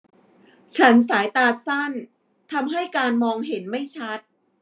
ฉันสายตาสั้นทำให้การมองเห็นไม่ชัด